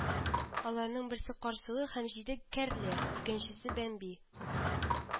Аларның берсе Карсылу һәм җиде кәрлә, икенчесе Бэмби